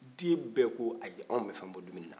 den bɛɛ ko ayi an ma fɛn bɔ dumuni na